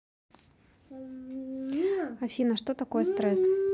афина что такое стресс